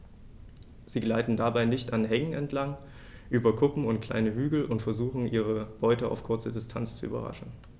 Sie gleiten dabei dicht an Hängen entlang, über Kuppen und kleine Hügel und versuchen ihre Beute auf kurze Distanz zu überraschen.